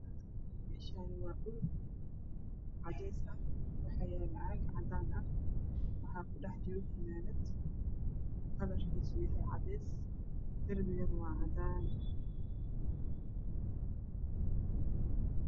Meeshaan waa waa dhul cadeys ah waxaa yaalo caag cadaan ah waxaa ku dhex jiro fanaanad kalarkiisu yahay cadeys. Darbiguna waa cadaan.